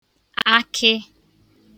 akị